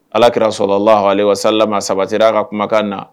Allah kirara sɔla laahu aleihi wa salam a sabatila a ka kumakan na.